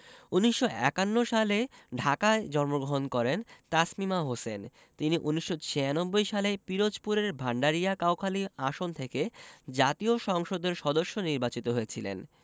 ১৯৫১ সালে ঢাকায় জন্মগ্রহণ করেন তাসমিমা হোসেন তিনি ১৯৯৬ সালে পিরোজপুরের ভাণ্ডারিয়া কাউখালী আসন থেকে জাতীয় সংসদের সদস্য নির্বাচিত হয়েছিলেন